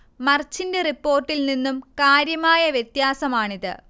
മർച്ചിന്റെ റിപ്പോർട്ടിൽ നിന്നും കാര്യമായ വ്യത്യാസമാണിത്